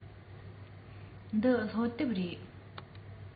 འདི སློབ དེབ རེད